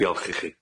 Diolch i chi.